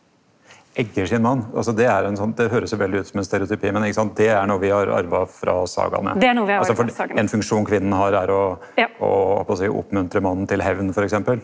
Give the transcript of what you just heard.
egger sin mann altså det er ein sånn det høyrst jo veldig ut som ein stereotypi, men ikkje sant det er noko vi har arva frå sagaene altså for ein funksjon kvinna har er å å halde på seie oppmuntre mannen til hemn for eksempel.